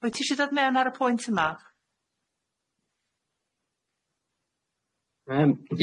Wyt ti isho dodd mewn ar y pwynt yma?